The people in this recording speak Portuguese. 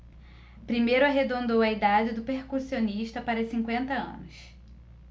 primeiro arredondou a idade do percussionista para cinquenta anos